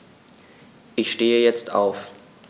Ich stehe jetzt auf.